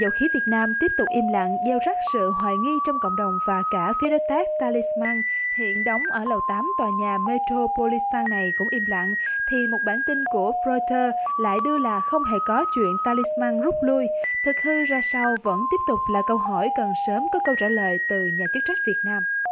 dầu khí việt nam tiếp tục im lặng gieo rắc sự hoài nghi trong cộng đồng và cả phía đối tác ta li man hiện đóng ở lầu tám tòa nhà mê trô bô li tan này cũng im lặng thì một bản tin của roi tơ lại đưa là không hề có chuyện ta li man rút lui thực hư ra sao vẫn tiếp tục là câu hỏi cần sớm có câu trả lời từ nhà chức trách việt nam